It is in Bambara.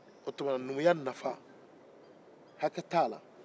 o tuma numuya nafa hakɛ t'a la